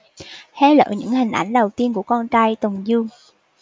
hé lộ những hình ảnh đầu tiên của con trai tùng dương